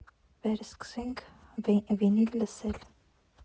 Վերսկսենք վինիլ լսել։